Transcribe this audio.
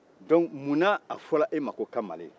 dɔnc munna a fɔra e ma ko kamalen